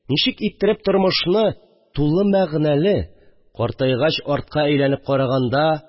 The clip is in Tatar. Ничек иттереп тормышны тулы мәгънәле, картайгач артка әйләнеп караганда